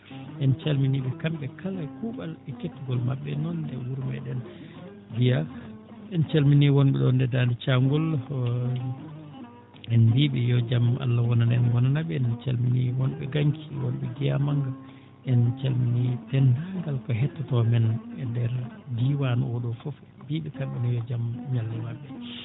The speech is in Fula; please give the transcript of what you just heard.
en calminii kamɓe kala e kuuɓal e kettagol maɓɓe e noon e wuro meeɗen Jeyaa en calminii wonɓe ɗoon e Daande Caangol en mbiyii ɓe yo jam Allah wonan en wonana ɓe en calminii wonɓe Gaŋki wonɓe Giya mannga en calminii denndagal ko hettotoo men e ndeer diiwan oo ɗoo fof en mbiyii ɓe kamɓene yo jam ñallu e maɓɓe